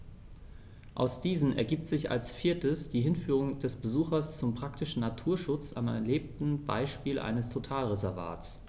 Aus diesen ergibt sich als viertes die Hinführung des Besuchers zum praktischen Naturschutz am erlebten Beispiel eines Totalreservats.